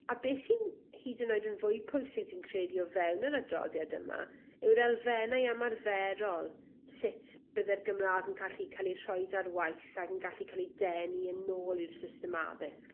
A beth sy'n hyd yn oed yn fwy pwysig dwi'n credu o fewn yr adroddiad yma yw'r elfennau ymarferol sut bydde'r Gymra'g yn callu ca'l ei rhoid ar waith ac yn gallu ca'l ei denu yn ôl i'r system addysg.